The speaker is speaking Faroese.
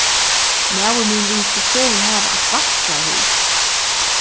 maður mín vil so fegin hava eitt vakstrarhús